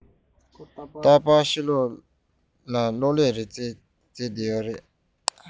རྟག པར ཕྱི ལོག ལ གློག ཀླད རོལ རྩེད རྩེད ནས སྡོད ཀྱི ཡོད རེད